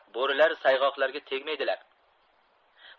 bo'rilar sayg'oqlarga tegmaydilar